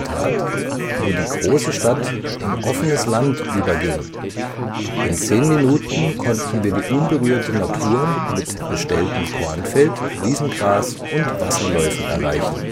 Ort, „ wo die grosse Stadt in offenes Land überging […] In zehn Minuten konnten wir die unberührte Natur mit bestelltem Kornfeld, Wiesengras und Wasserläufen erreichen